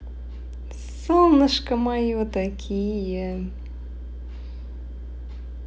солнышко мое такие